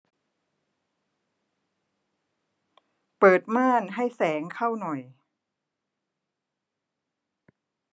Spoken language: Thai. เปิดม่านให้แสงเข้าหน่อย